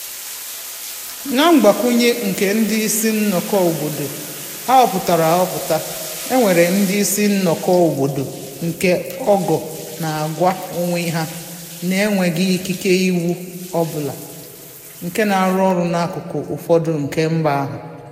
Na mgbakwụnye nke ndị isi nnọkọ obodo a họpụtara ahọpụta, enwere ndị isi nnọkọ obodo nke ogo na-gwa onwe ha na-enweghị ikike iwu ọ bụla nke na-arụ ọrụ n'akụkụ ụfọdụ nke mba ahụ.